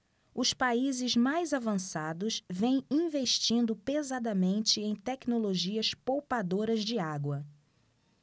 os países mais avançados vêm investindo pesadamente em tecnologias poupadoras de água